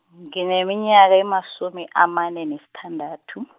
ngineminyaka, emasumi amane, nesithandathu.